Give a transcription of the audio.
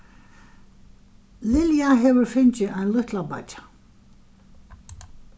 lilja hevur fingið ein lítlabeiggja